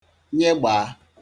nyegbàa